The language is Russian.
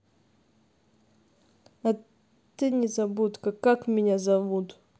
а ты незабудка как меня зовут